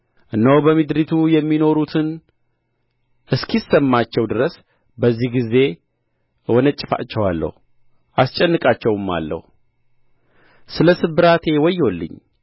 እነሆ በምድሪቱ የሚኖሩትን እስኪሰማቸው ድረስ በዚህ ጊዜ እወነጭፋቸዋለሁ አስጨንቃቸውማለሁ ስለ ስብራቴ ወዮልኝ